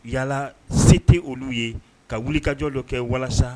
Yala se tɛ olu ye ka wuli kajɔ dɔ kɛ walasa,